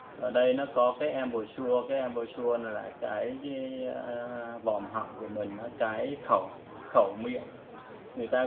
trong bài cũng có chữ embouchures tạm dịch là khẩu hình miệng chỗ thổi